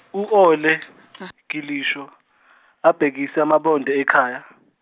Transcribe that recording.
u Ole Gilisho abhekise amabombo ekhaya.